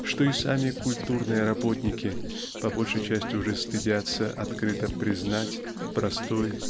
что и сами "культурные работники" по большей части уже стыдятся открыто признать простой